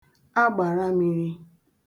àgbàra miri